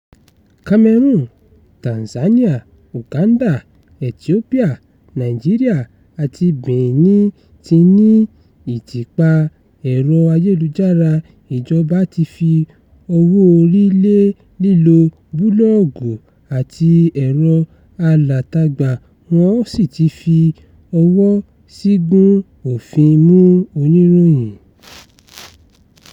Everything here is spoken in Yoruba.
Cameroon, Tanzania, Uganda, Ethiopia, Nigeria, àti Benin ti ní Ìtìpa Ẹ̀rọ-ayélujára, ìjọba ti fi owó-orí lé lílo búlọ́ọ̀gù àti ẹ̀rọ-alátagbà, wọ́n sì ti fi ọwọ́ ṣìgún òfin mú oníròyìn.